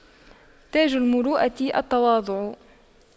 تاج المروءة التواضع